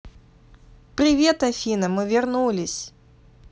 привет афина мы вернулись